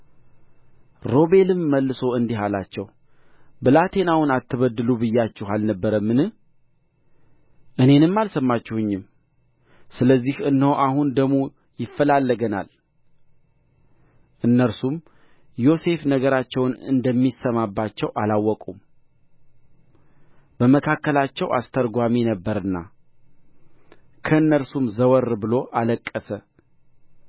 ሮቤልም መልሶ እንዲህ አላቸው ብላቴናውን አትበድሉ ብያችሁ አልነበረምን እኔም አልሰማችሁኝም ስለዚህ እነሆ አሁን ደሙ ይፈላለገናል እነርሱም ዮሴፍ ነገራቸውን እንደሚሰማባቸው አላወቁም በመካከላቸው አስተርጓሚ ነበረና ከእነርሱም ዘወር ብሎ አለቀሰ